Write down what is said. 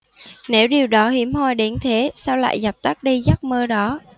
nếu điều đó hiếm hoi đến thế sao lại dập tắt đi giấc mơ đó